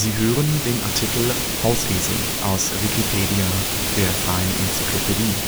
hören den Artikel Hausesel, aus Wikipedia, der freien Enzyklopädie